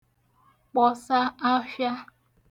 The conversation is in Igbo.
kpọsa afhịa